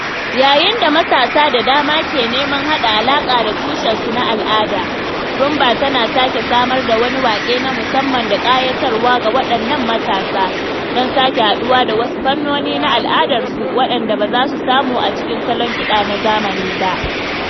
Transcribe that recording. Yayin da matasa da dama ke neman haɗa alaƙa da tushensu na al’adu, Rhumba tana sake samar da wani waƙe na musamman da ƙayatarwa ga waɗannan matasa, don sake haɗuwa da wasu fannoni na al’adarsu waɗanda ba za su samu a cikin salon kiɗa na zamani ba.